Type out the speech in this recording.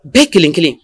Bɛɛ kelen kelen